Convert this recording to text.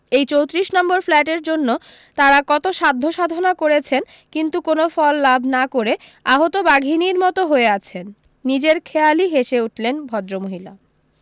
এই চোত্রিশ নম্বর ফ্ল্যাটের জন্য তারা কত সাধ্য সাধনা করেছেন কিন্তু কোনো ফল লাভ না করে আহত বাঘিনীর মতো হয়ে আছেন নিজের খেয়ালই হেসে উঠলেন ভদ্রমহিলা